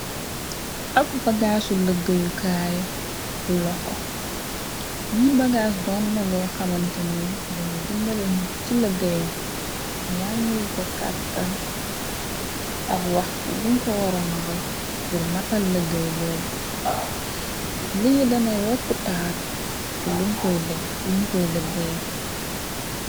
Ab bagaasu lëggayukaay bu loxo, bi bagaas doon na lo xamante ni dana dëmbala nit ci lëggayam, wàññil ko kàttan ak waxtu wum fa waranudef pur matal lëggay booba, lii dana yokku taar, ci lum koy def, lum koy lëggéey.